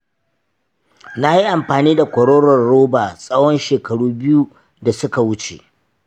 na yi amfani da kwaroron roba tsawon shekaru biyu da suka wuce.